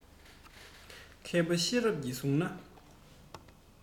མཁས པ ཤེས རབ ཀྱིས བསྲུང ན